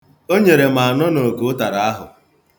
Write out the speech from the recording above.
O nyere m anọnoke ụtara ahụ.